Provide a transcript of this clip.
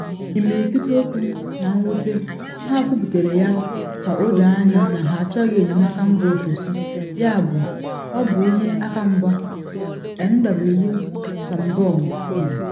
“N’imirikiti okwu, na mwute, ha kwuputere ya ka o doo anya na ha achọghị enyemaka mba ofesi, yabụ ọ bụ ihe aka mgba, “Nw. Sumbung kwuru.